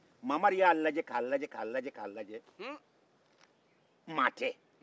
mamari y' lajɛ k'a laje k'a lajɛ mɔgɔ tɛ